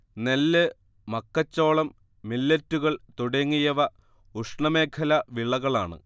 നെല്ല്, മക്കച്ചോളം മില്ലെറ്റുകൾ തുടങ്ങിയവ ഉഷ്ണമേഖലാ വിളകളാണ്